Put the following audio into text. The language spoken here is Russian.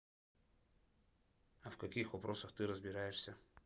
а в каких вопросах ты разбираешься